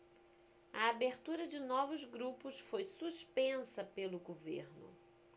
a abertura de novos grupos foi suspensa pelo governo